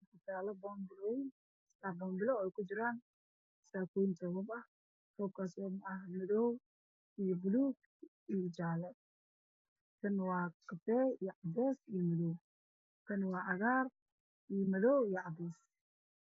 Waa boonbalo waxaa kujiro saakooyin toobab ah midabkoodu waa madow, buluug iyo jaale, kafay, nacnackuleel, cagaar iyo cadaan ah.